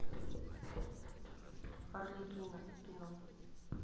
арлекино кино